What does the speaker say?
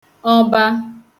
ọba